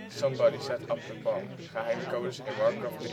SomeBodySetUpUsTheBomb " geheime codes in Warcraft